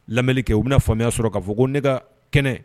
Lamɛnni kɛ u bɛna faamuya sɔrɔ k'a fɔ ko ne ka kɛnɛ